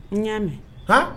I y'a mɛn h